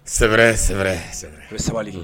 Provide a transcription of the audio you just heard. Sɛbɛrɛ sɛbɛrɛ sabali